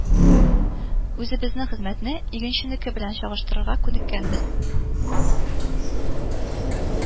Үзебезнең хезмәтне игенченеке белән чагыштырырга күнеккәнбез